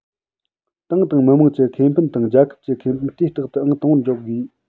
ཏང དང མི དམངས ཀྱི ཁེ ཕན དང རྒྱལ ཁབ ཀྱི ཁེ ཕན དུས རྟག ཏུ ཨང དང པོར འཇོག དགོས